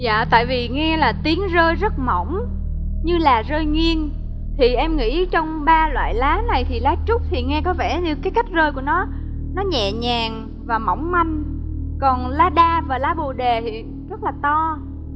dạ tại vì nghe là tiếng rơi rất mỏng như là rơi nghiêng thì em nghĩ trong ba loại lá này thì lá trúc thì nghe có vẻ như cái cách rơi của nó nó nhẹ nhàng và mỏng manh còn lá đa và lá bồ đề rất là to